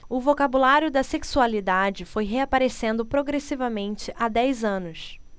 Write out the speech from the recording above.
o vocabulário da sexualidade foi reaparecendo progressivamente há dez anos